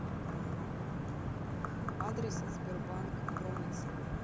адрес сбербанк бронница